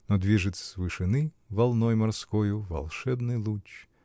Но движет с вышины волной морскою Волшебный луч.